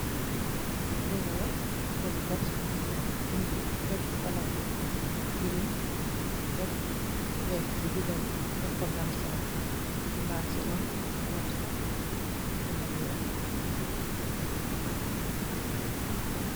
Logo la logo bi box bi nyoung ko deff color bou werteh deff logo bou weck ci diggi bi deff fa gamcell bendart ci ron gamcell bindou bou weck